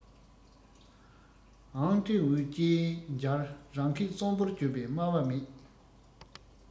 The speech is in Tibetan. ཝང ཀྲེན ཝུའེ བཅས མཇལ རང སྐད སྲོང པོར བརྗོད པའི སྨྲ བ མེད